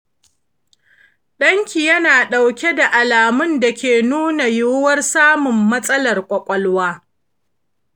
danki yana dauke da alamun dake nuna yiwuwar samun matsalar kwakwalwa.